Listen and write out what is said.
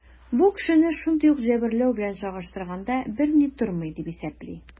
Бу кешене шундый ук җәберләү белән чагыштырганда берни тормый, дип исәпли.